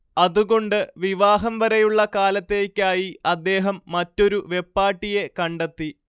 അതുകൊണ്ട് വിവാഹം വരെയുള്ള കാലത്തേയ്ക്കായി അദ്ദേഹം മറ്റൊരു വെപ്പാട്ടിയെ കണ്ടെത്തി